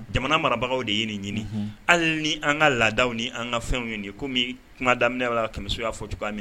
Jamana marabagaw de yei nin ɲini hali ni an ka laadaw ni an ka fɛnw ye nin ye, komi kuma daminɛ la kamɛso y'a fɔ cogo minɛ